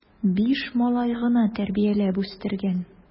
Биш малай гына тәрбияләп үстергән!